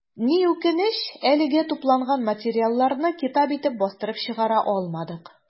Ни үкенеч, әлегә тупланган материалларны китап итеп бастырып чыгара алмадык.